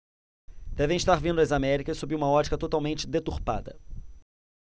devem estar vendo as américas sob uma ótica totalmente deturpada